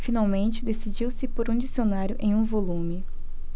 finalmente decidiu-se por um dicionário em um volume